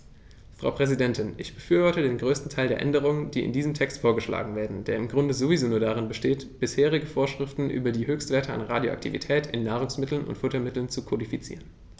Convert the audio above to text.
Frau Präsidentin, ich befürworte den größten Teil der Änderungen, die in diesem Text vorgeschlagen werden, der im Grunde sowieso nur darin besteht, bisherige Vorschriften über die Höchstwerte an Radioaktivität in Nahrungsmitteln und Futtermitteln zu kodifizieren.